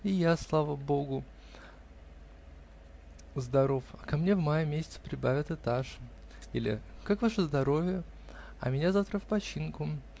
и я, слава богу, здоров, а ко мне в мае месяце прибавят этаж". Или: "Как ваше здоровье? а меня завтра в починку".